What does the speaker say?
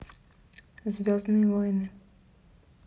звездные воины